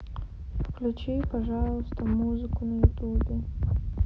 включи пожалуйста музыку на ютубе